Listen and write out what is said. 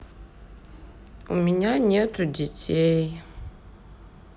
у меня нету детей